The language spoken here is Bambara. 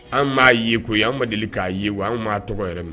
An m'a yeko an amadu deli k'a ye wa an' tɔgɔ yɛrɛ